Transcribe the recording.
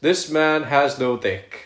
his man has no dick